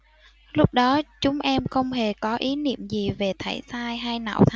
lúc đó chúng em không hề có ý niệm gì về sảy thai hay nạo thai